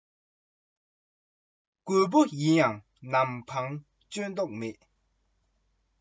གཤོག སྒྲོ དར གྱིས སྐུད པས མ བསྡམས ན